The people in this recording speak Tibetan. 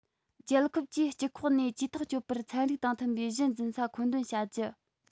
རྒྱལ ཁབ ཀྱིས སྤྱི ཁོག ནས ཇུས ཐག གཅོད པར ཚན རིག དང མཐུན པའི གཞི འཛིན ས མཁོ འདོན བྱ རྒྱུ